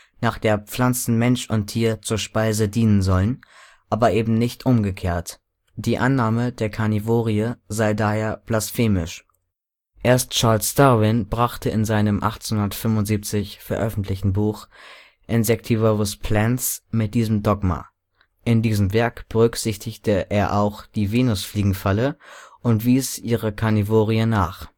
nach der Pflanzen Mensch und Tier zur Speise dienen sollen, aber eben nicht umgekehrt. Die Annahme der Karnivorie sei daher blasphemisch. Erst Charles Darwin brach in seinem 1875 veröffentlichten Buch Insectivorous Plants mit diesem Dogma. In diesem Werk berücksichtigte er auch die Venusfliegenfalle und wies ihre Karnivorie nach